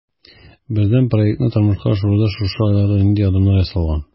Бердәм проектны тормышка ашыруда шушы айларда нинди адымнар ясалган?